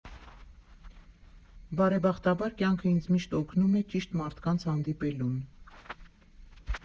Բարեբախտաբար, կյանքը ինձ միշտ օգնում է ճիշտ մարդկանց հանդիպելուն։